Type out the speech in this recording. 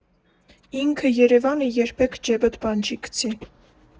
Ինքը՝ Երևանը, երբեք ջեբդ բան չի քցի։